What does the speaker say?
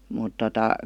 mutta tuota